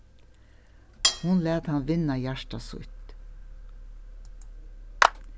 hon læt hann vinna hjarta sítt